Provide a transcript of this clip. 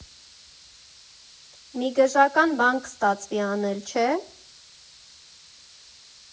Մի գժական բան կստացվի անել, չէ՞,